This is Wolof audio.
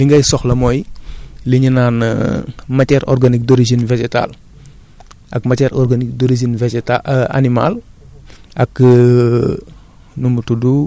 compostage moom boo ko bëggoon a def tay jii li ngay soxla mooy li ñu naan matière organique d' origine végétal ak matière organique d' origine végéta animal